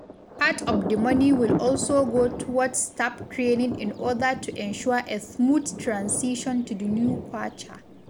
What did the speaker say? Part of the money will also go towards staff training in order to ensure a smooth transition to the new kwacha.